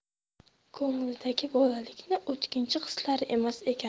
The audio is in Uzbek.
ko'nglidagi bolalikning o'tkinchi hislari emas ekan